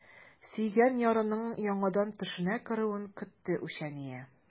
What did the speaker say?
Сөйгән ярының яңадан төшенә керүен көтте үчәния.